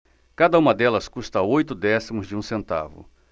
cada uma delas custa oito décimos de um centavo